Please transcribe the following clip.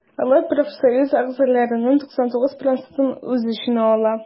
Алар профсоюз әгъзаларының 99 процентын үз эченә ала.